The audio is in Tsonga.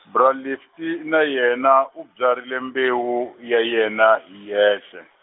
bra Lefty na yena u byarhile mbewu ya yena hi yexe.